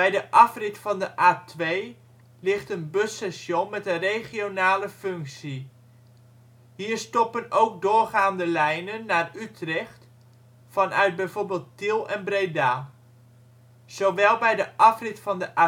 de afrit van de A2 ligt een busstation met een regionale functie; hier stoppen ook doorgaande lijnen naar Utrecht vanuit bijv. Tiel en Breda. Zowel bij de afrit van de